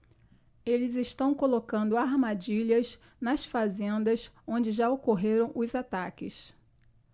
eles estão colocando armadilhas nas fazendas onde já ocorreram os ataques